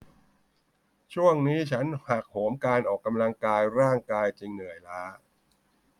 ช่วงนี้ฉันหักโหมการออกกำลังกายร่างกายจึงเหนื่อยล้า